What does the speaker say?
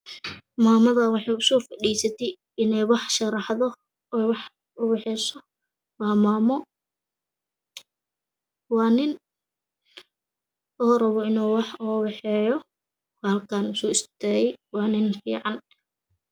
Maamad waxa ay usoo fadhistay iney waxa sharaxdo oo waxa waxeyso waa maamo waa nin oo raba inu waxa waxeyo baa halka usoo istaagay waa nin facan